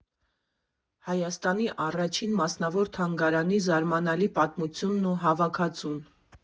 Հայաստանի առաջին մասնավոր թանգարանի զարմանալի պատմությունն ու հավաքածուն։